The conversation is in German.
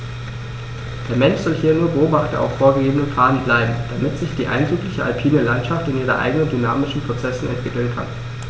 Der Mensch soll hier nur Beobachter auf vorgegebenen Pfaden bleiben, damit sich die eindrückliche alpine Landschaft in ihren eigenen dynamischen Prozessen entwickeln kann.